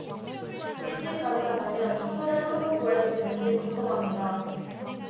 혹시 가능하다면 성서를 한 부 구할 수 있는지 궁금합니다